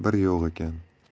bir yo'q ekan